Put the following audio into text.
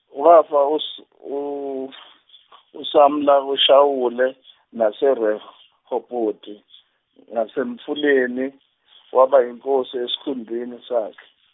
wafa us- u- uSamla uShawule naseRehoboti ngasemfuleni waba yinkosi esikhundleni sakhe.